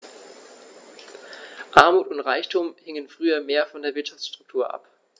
Armut und Reichtum hingen früher mehr von der Wirtschaftsstruktur ab.